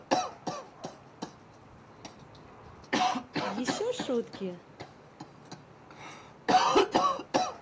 еще шутки